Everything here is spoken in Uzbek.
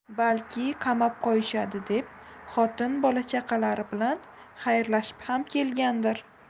balki qamab qo'yishadi deb xotin bola chaqalari bilan xayrlashib ham kelgandir